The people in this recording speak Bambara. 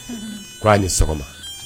K ko a ni sɔgɔma